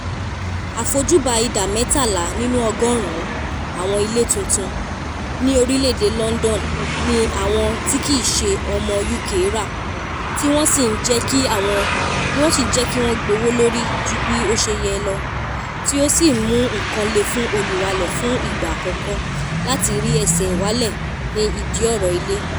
Àfojúbù ìdá 13 nínú ọgọ́rùn ún àwọn ilé tuntun ní London ní àwọn tí kìíṣe ọmọ UK rà, tí wọ́n sì ń jẹ́ kí wọ́n gbówó lórí ju bí ó ṣe yẹ lọ tí ó sì ń mú nǹkan le fún olùralé fún ìgbà àkọ̀kọ̀ láti rí ẹsẹ̀ walẹ̀ ní ìdí ọ̀rọ̀ ilé.